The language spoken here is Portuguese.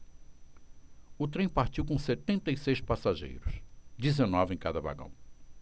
o trem partiu com setenta e seis passageiros dezenove em cada vagão